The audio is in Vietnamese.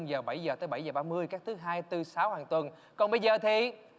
giờ bảy giờ bảy giờ ba mươi các thứ hai tư sáu hằng tuần còn bây giờ thì